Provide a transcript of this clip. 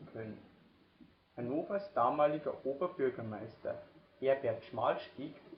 können. Hannovers damaliger Oberbürgermeister Herbert Schmalstieg